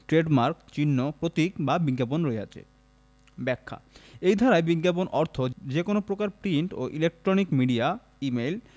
trademark চিহ্ন প্রতীক বা বিজ্ঞাপন রহিয়াছে ব্যাখ্যাঃ এই ধারায় বিজ্ঞাপন অর্থ যে কোন প্রকার প্রিন্ট ও ইলেক্ট্রনিক মিডিয়া ই মেইল